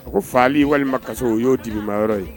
A ko fali walima kaso o y'o dibi maayɔrɔ ye